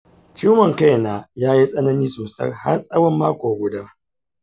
ciwon kaina ya yi tsanani sosai har tsawon mako guda.